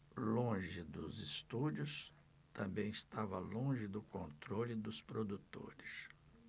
longe dos estúdios também estava longe do controle dos produtores